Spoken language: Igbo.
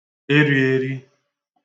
erīērī